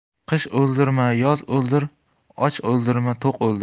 qish o'ldirma yoz o'ldir och o'ldirma to'q o'ldir